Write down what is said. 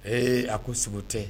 Ee a ko sogo tɛ